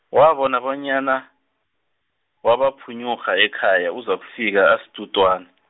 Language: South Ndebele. wabona bonyana, wabaphunyurha ekhaya, uzakufika asitutwana.